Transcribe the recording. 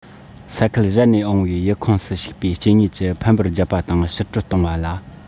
ས ཁུལ གཞན ནས འོངས པའི ཡུལ ཁོངས སུ ཞུགས པའི སྐྱེ དངོས ཀྱིས ཕམ པར བརྒྱབ པ དང ཕྱིར སྐྲོད བཏང བ ལ